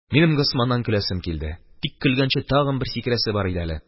Минем Госманнан көләсем килде, тик көлгәнче тагын бер сикерәсе бар иде әле.